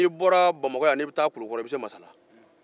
n'i bɔra bamakɔ yan n'i be taa kulukɔrɔ i bɛ tɛmɛ masala